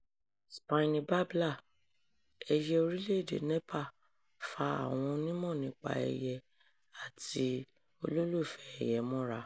Spiny Babbler, ẹyẹ orílẹ̀-èdè Nepal, fa àwọn onímọ̀-nípa-ẹyẹ àti olólùfẹ́ ẹyẹ mọ́ra